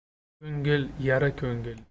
qora ko'ngil yara ko'ngil